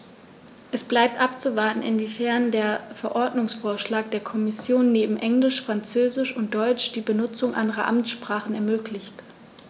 Es bleibt abzuwarten, inwiefern der Verordnungsvorschlag der Kommission neben Englisch, Französisch und Deutsch die Benutzung anderer Amtssprachen ermöglicht.